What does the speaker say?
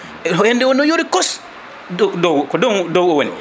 hendu ne yori koos dow ko dow o woni